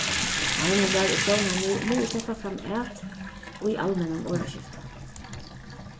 meiningar og sjónarmið mugu sleppa fram at í almennum orðaskifti